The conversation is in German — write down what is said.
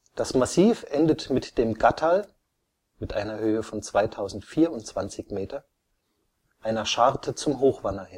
Das Massiv endet mit dem Gatterl (2024 m), einer Scharte zum Hochwanner